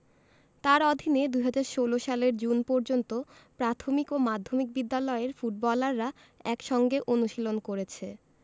তাঁর অধীনে ২০১৬ সালের জুন পর্যন্ত প্রাথমিক ও মাধ্যমিক বিদ্যালয়ের ফুটবলাররা একসঙ্গে অনুশীলন করেছে